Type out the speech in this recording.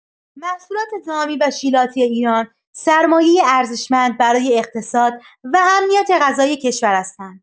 محصولات دامی و شیلاتی ایران سرمایه‌ای ارزشمند برای اقتصاد و امنیت غذایی کشور هستند.